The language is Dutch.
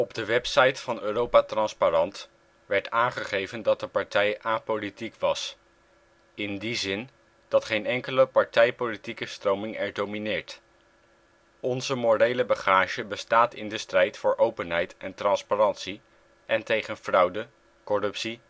de website van Europa Transparant werd aangegeven dat de partij a-politiek was, " in die zin dat geen enkele partijpolitieke stroming er domineert. Onze morele bagage bestaat in de strijd voor openheid en transparantie en tegen fraude, corruptie